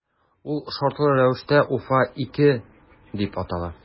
Ул шартлы рәвештә “Уфа- 2” дип атала.